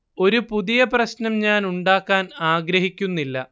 ഒരു പുതിയ പ്രശ്നം ഞാൻ ഉണ്ടാക്കാൻ ആഗ്രഹിക്കുന്നില്ല